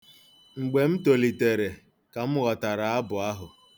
Mgbe m tolitere ka m ghọtara abụ ahụ.